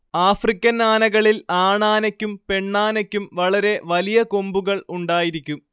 African ആനകളിൽ ആണാനയ്ക്കും പെണ്ണാനയ്ക്കും വളരെ വലിയ കൊമ്പുകൾ ഉണ്ടായിരിക്കും